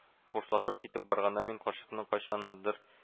Хушлашып китеп барганда мин карчыкның кайчандыр